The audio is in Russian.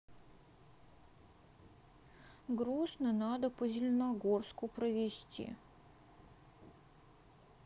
грустно надо по зеленогорску провести